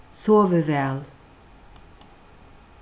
sovið væl